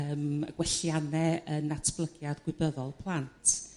yrm gwellianne yn natblygiad gwybyddol plant.